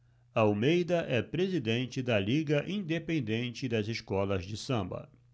almeida é presidente da liga independente das escolas de samba